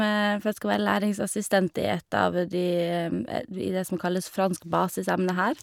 For jeg skal være læringsassistent i et av de i det som kalles fransk basisemne her.